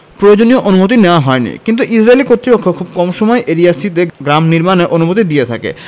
প্রয়োজনীয় অনুমতি নেওয়া হয়নি কিন্তু ইসরাইলি কর্তৃপক্ষ খুব কম সময়ই এরিয়া সি তে গ্রাম নির্মাণের অনুমতি দিয়ে থাকে